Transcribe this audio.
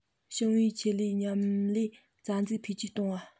ཞིང པའི ཆེད ལས མཉམ ལས རྩ འཛུགས འཕེལ རྒྱས གཏོང བ